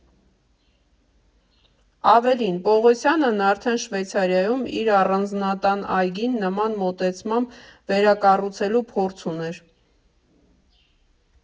Ավելին, Պողոսյանն արդեն Շվեյցարիայում իր առանձնանատան այգին նման մոտեցմամբ վերակառուցելու փորձ ուներ։